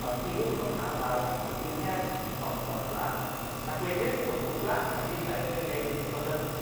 On' heuwch nw'n hafal ar wyneb y compos fel 'a ac wedyn wrth gwpla 'na gy' sy angen i ni neud ydi gosod